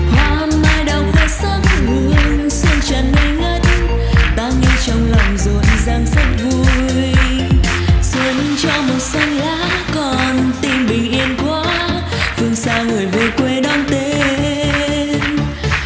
hoa mai đào khoe sắc hương xuân tràn ngây ngất ta nghe trong lòng rộn rang rất vui xuân cho màu xanh lá con tim bình yên quá phương xa người về quê đón tết